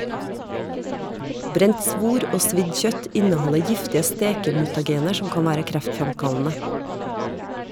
Brent svor og svidd kjøtt inneholder giftige stekemutagener som kan være kreftfremkallende.